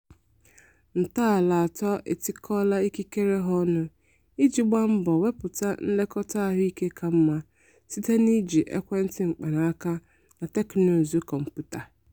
Ntọala atọ etikọtala ikikere ha ọnụ iji gbaa mbọ wepụta nlekọta ahụike ka mma site n’iji ekwentị mkpanaaka na teknuzu kọmpụta.